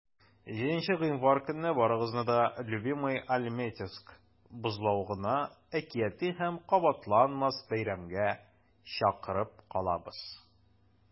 7 гыйнвар көнне барыгызны да "любимыйальметьевск" бозлавыгына әкияти һәм кабатланмас бәйрәмгә чакырып калабыз!